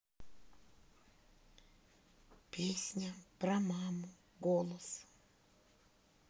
песня про маму голос